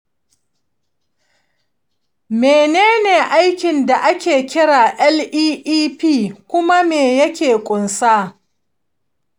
menene aikin da ake kira leep, kuma me yake ƙunsa?